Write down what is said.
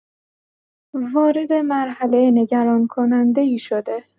وارد مرحله نگران‌کننده‌ای شده